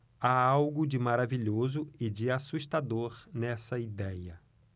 há algo de maravilhoso e de assustador nessa idéia